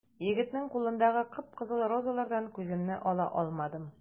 Егетнең кулындагы кып-кызыл розалардан күземне ала алмадым.